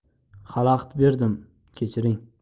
xalaqit berdim kechiring